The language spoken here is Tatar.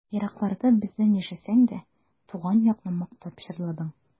Еракларда бездән яшәсәң дә, Туган якны мактап җырладың.